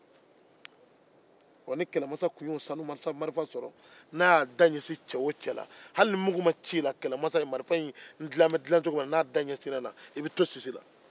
ni kɛlɛmasa tun y'o sanumarifa ɲɛsin mɔgɔ o mɔgɔ hali n'a ma ci i la i bɛ to sisi la